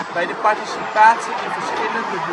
Bij de participatie in verschillende